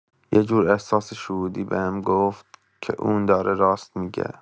یه جور احساس شهودی بهم گفت که اون داره راست می‌گه.